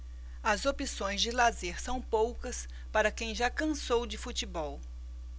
as opções de lazer são poucas para quem já cansou de futebol